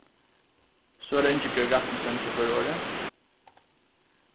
so er tað ingibjørg rasmussen sum fær orðið